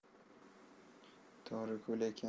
to'g'ri ku lekin